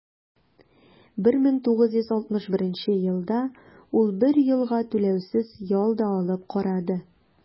1961 елда ул бер елга түләүсез ял да алып карады.